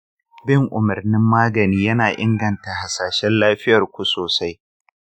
bin umarnin magani yana inganta hasashen lafiyar ku sosai.